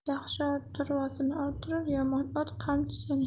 yaxshi ot to'rvasini orttirar yomon ot qamchisini